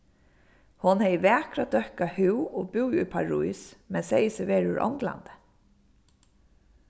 hon hevði vakra døkka húð og búði í parís men segði seg vera úr onglandi